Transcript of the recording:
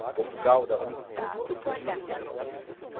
portugal dava-me tudo o que eu podia receber dele